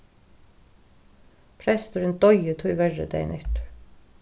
presturin doyði tíverri dagin eftir